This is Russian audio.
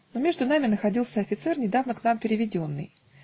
но между нами находился офицер, недавно к нам переведенный.